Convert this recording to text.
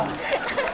nghe chưa tôi